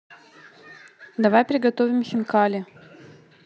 давай приготовим хинкали